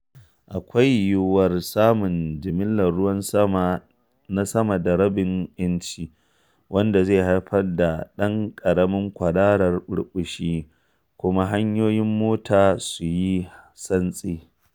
Akwai yiwuwar samun jimillar ruwan sama na sama da rabin inci, wanda zai haifar da ɗan ƙaramin kwararar ɓurɓushi kuma hanyoyin mota su yi santsi.